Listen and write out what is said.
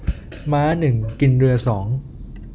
ม้าหนึ่งกินเรือสอง